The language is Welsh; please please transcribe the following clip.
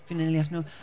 fi'n anelu atyn nhw.